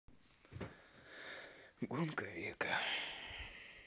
гонка века